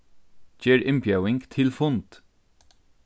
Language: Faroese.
ger innbjóðing til fund